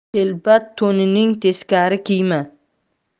telba to'ningni teskari kiyma